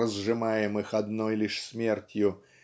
разжимаемых одной лишь смертью